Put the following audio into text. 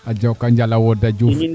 jokonjal a woda Diouf